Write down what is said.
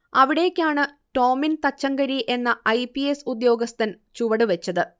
അവിടേക്കാണ് ടോമിൻ തച്ചങ്കരി എന്ന ഐപിഎസ് ഉദ്യോഗസ്ഥൻ ചുവടുവെച്ചത്